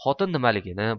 xotin nimaligini